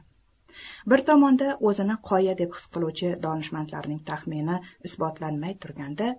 bir tomonda o'zini qoya deb his qiluvchi donishmandlarning taxmini isbotlanmay turganda